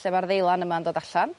lle ma'r ddeilan yma'n dod allan